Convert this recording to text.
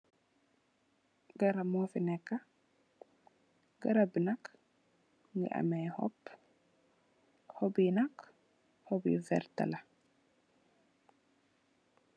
Li garap mu fi nekka, garap bi nak mugii ameh xop, xop yi nak xop yu werta la.